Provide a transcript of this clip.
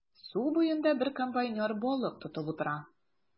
Су буенда бер комбайнер балык тотып утыра.